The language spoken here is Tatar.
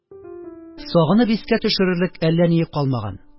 Сагынып искә төшерерлек әллә ни калмаган.